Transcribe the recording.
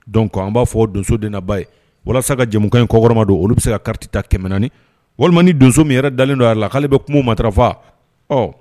Don an b'a fɔ donso denba ye walasa ka jamumu in kɔkɔrɔma don olu bɛ se ka kari taani walima ni donso min yɛrɛ dalen don a la k'ale bɛ ma trafa